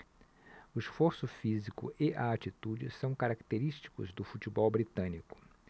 o esforço físico e a atitude são característicos do futebol britânico